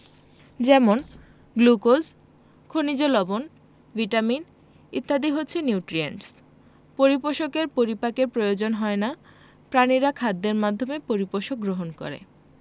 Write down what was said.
যেমন গ্লুকোজ খনিজ লবন ভিটামিন ইত্যাদি হচ্ছে নিউট্রিয়েন্টস পরিপোষকের পরিপাকের প্রয়োজন হয় না প্রাণীরা খাদ্যের মাধ্যমে পরিপোষক গ্রহণ করে